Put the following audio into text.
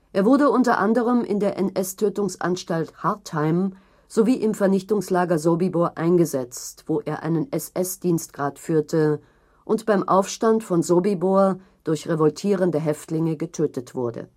Er wurde unter anderem in der NS-Tötungsanstalt Hartheim sowie im Vernichtungslager Sobibór eingesetzt, wo er einen SS-Dienstgrad führte und beim Aufstand von Sobibór durch revoltierende Häftlinge getötet wurde